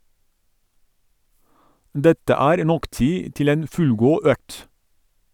Dette er nok tid til en fullgod økt.